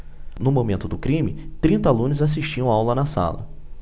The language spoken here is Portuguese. no momento do crime trinta alunos assistiam aula na sala